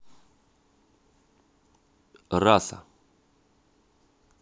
раса